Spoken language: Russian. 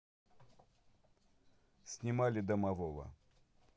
снимали домового